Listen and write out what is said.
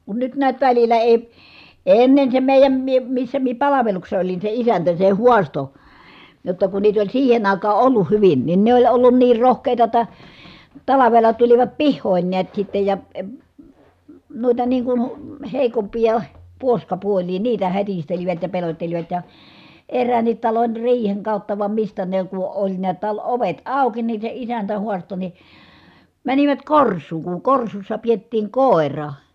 kun nyt näet välillä ei ei ennen se meidän minä missä minä palveluksessa olin se isäntä se haastoi jotta kun niitä oli siihen aikaan ollut hyvin niin ne oli ollut niin rohkeita jotta talvella tulivat pihoihin näet sitten ja - noita niin kuin heikompia puoskapuolia niitä hätistelivät ja pelottelivat ja eräänkin talon riihen kautta vai mistä ne kun oli näet - ovet auki niin se isäntä haastoi niin menivät korsuun kun korsussa pidettiin koira